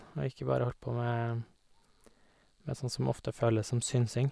Og ikke bare holde på med med sånn som ofte føles som synsing.